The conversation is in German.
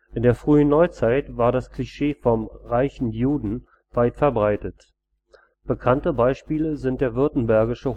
In der Frühen Neuzeit war das Klischee vom „ reichen Juden “weit verbreitet. Bekannte Beispiele sind der württembergische